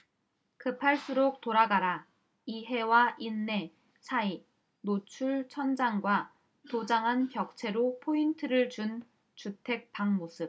급할수록 돌아가라 이해와 인내 사이노출 천장과 도장한 벽체로 포인트를 준 주택 방 모습